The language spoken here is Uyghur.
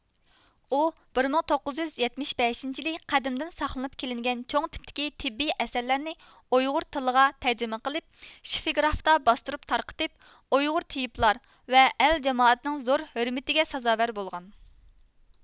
ئۇ بىر مىڭ توققۇز يۈز يەتمىش بەشىنچى يىلى قەدىمدىن ساقلىنىپ كېلىنگەن چوڭ تىپتىكى تىببىي ئەسەرلەرنى ئۇيغۇر تىلىغا تەرجىمە قىلىپ شىفىگرافتا باستۇرۇپ تارقىتىپ ئۇيغۇر تېۋىپلار ۋە ئەل جامائەتنىڭ زور ھۆرمىتىگە سازاۋەر بولغان